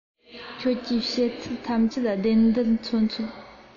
ཁྱོད ཀྱིས བཤད ཚད ཐམས ཅད བདེན བདེན འཆོལ འཆོལ